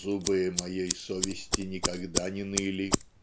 "зубы моей совести никогда не ныли"